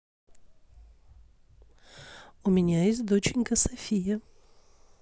у меня есть доченька софия